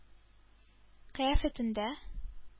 Кыяфәтендә